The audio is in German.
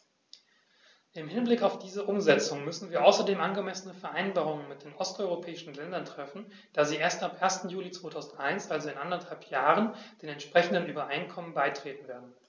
Im Hinblick auf diese Umsetzung müssen wir außerdem angemessene Vereinbarungen mit den osteuropäischen Ländern treffen, da sie erst ab 1. Juli 2001, also in anderthalb Jahren, den entsprechenden Übereinkommen beitreten werden.